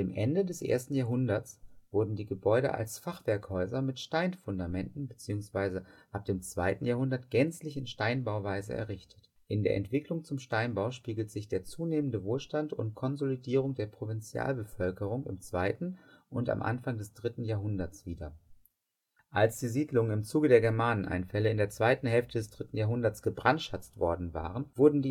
Ende des 1. Jahrhunderts wurden die Gebäude als Fachwerkhäuser mit Steinfundamenten, beziehungsweise ab dem 2. Jahrhundert gänzlich in Steinbauweise errichtet. In der Entwicklung zum Steinbau spiegelt sich der zunehmende Wohlstand und Konsolidierung der Provinzbevölkerung im 2. und am Anfang des 3. Jahrhunderts wider. Als die Siedlungen im Zuge der Germaneneinfälle in der 2. Hälfte des 3. Jahrhunderts gebrandschatzt worden waren, wurden